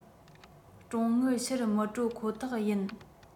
གྲོན དངུལ ཕྱིར མི སྤྲོད ཁོ ཐག ཡིན